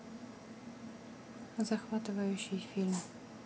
захватывающий фильм